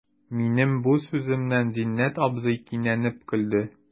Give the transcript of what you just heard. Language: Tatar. Минем бу сүземнән Зиннәт абзый кинәнеп көлде.